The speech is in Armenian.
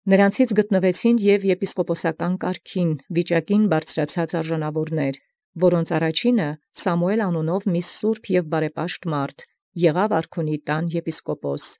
Յորոց և գտան արժանիք՝ ելեալ ի կարգ եպիսկոպոսութեան վիճակ, որոց առաջինն Սամուէլ անուն, այր սուրբ և բարեպաշտաւն, եպիսկոպոս կացեալ տանն արքունականի։